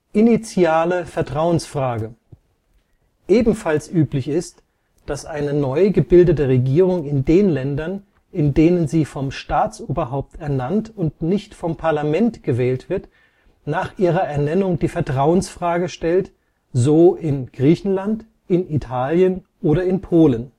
Initiale Vertrauensfrage: Ebenfalls üblich ist, dass eine neu gebildete Regierung in den Ländern, in denen sie vom Staatsoberhaupt ernannt und nicht vom Parlament gewählt wird, nach ihrer Ernennung die Vertrauensfrage stellt, so in Griechenland, in Italien oder in Polen